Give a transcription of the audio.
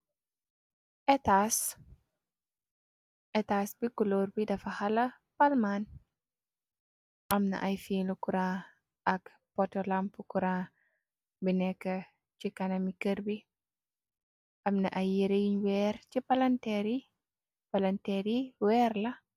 Etaas etaas bi kuloor bi dafa xala palmaan amna ay fiinu kuran ak poto lampu kuran bi neka ci kanami kerr bi am na ay yere yun wer chi palanteer yi palanteer ye weer la.